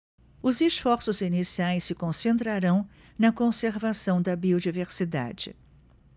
os esforços iniciais se concentrarão na conservação da biodiversidade